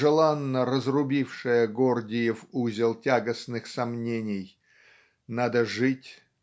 желанно разрубившая гордиев узел тягостных сомнений - надо жить